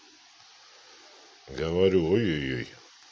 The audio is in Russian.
говорю ой ой ой